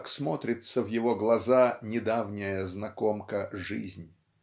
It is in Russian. как смотрится в его глаза недавняя знакомка-жизнь.